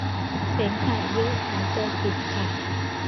เสมหะเยอะหายใจติดขัด